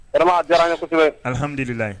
Raba diyara kosɛbɛ ahamdulilila